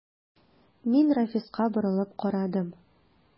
Мин Рафиска борылып карадым.